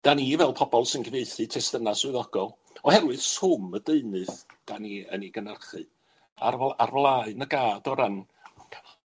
'Dan ni, fel pobol sy'n cyfieithu testuna' swyddogol, oherwydd swm y deunydd, 'dan ni yn 'i gynyrchu ar fl- ar flaen y gad o ran